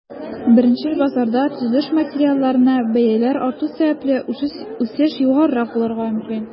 Беренчел базарда, төзелеш материалларына бәяләр арту сәбәпле, үсеш югарырак булырга мөмкин.